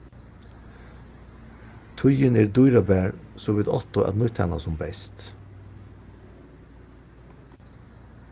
tíðin er dýrabar so vit áttu at nýtt hana sum best